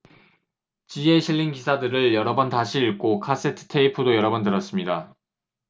지에 실린 기사들을 여러 번 다시 읽고 카세트테이프도 여러 번 들었습니다